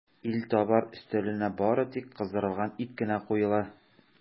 Илтабар өстәленә бары тик кыздырылган ит кенә куела.